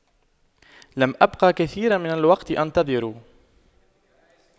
لم أبقى كثيرا من الوقت انتظر